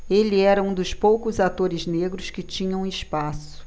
ele era um dos poucos atores negros que tinham espaço